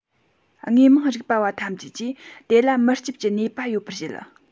དངོས མང རིག པ བ ཐམས ཅད ཀྱིས དེ ལ མུར ལྕིབས ཀྱི ནུས པ ཡོད པར བཞེད